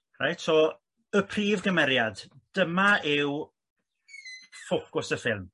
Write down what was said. Reit so y prif gymeriad dyma yw ffocws y ffilm yym